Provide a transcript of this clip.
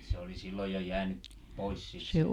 että se oli silloin jo jäänyt pois sitten